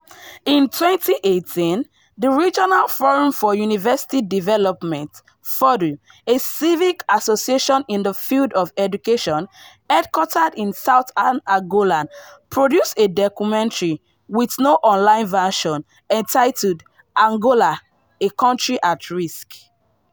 In 2018, the Regional Forum for University Development (FORDU), a civic association in the field of education headquartered in southern Angola, produced a documentary (with no online version) entitled “Angola, a country at risk”.